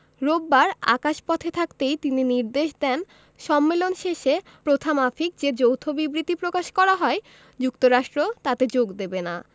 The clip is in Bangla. রোববার আকাশপথে থাকতেই তিনি নির্দেশ দেন সম্মেলন শেষে প্রথামাফিক যে যৌথ বিবৃতি প্রকাশ করা হয় যুক্তরাষ্ট্র তাতে যোগ দেবে না